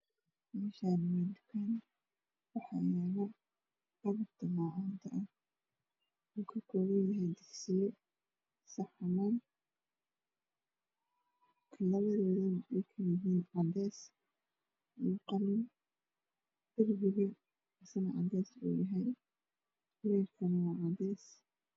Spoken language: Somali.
Meeshaani waa tukaan waxaa yaalo alaabta maacuunta ah waxuu ka kooban yahay saxamo, digsiyo. Labadoodana waxay kala yihiin cadeys iyo qalin. Darbigana isna waa cadeys , leyrkana waa cadeys.